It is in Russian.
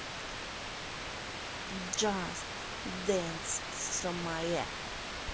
just dance stromae